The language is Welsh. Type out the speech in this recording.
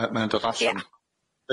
mae o'n dod allan. Ia.